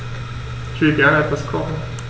Ich will gerne etwas kochen.